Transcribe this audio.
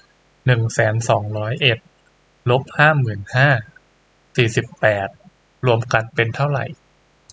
หนึ่งแสนสองร้อยเอ็ดลบห้าหมื่นห้าสี่สิบแปดรวมกันเป็นเท่าไหร่